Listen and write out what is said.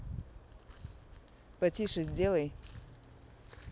потише сделай